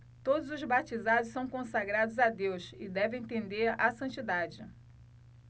todos os batizados são consagrados a deus e devem tender à santidade